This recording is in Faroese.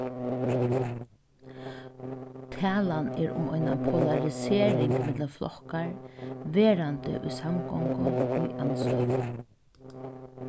talan er um eina polarisering millum flokkar verandi í samgongu og í andstøðu